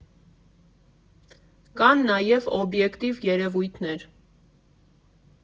Կան նաև օբյեկտիվ երևույթներ։